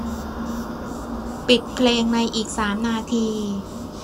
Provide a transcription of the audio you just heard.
ปิดเพลงในอีกสามนาที